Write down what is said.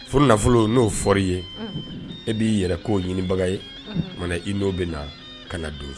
Furu nafolo n'o fɔri ye, e b'i yɛrɛ k'o ɲinibaga ye , okumana, i n'o bɛ na ka na don.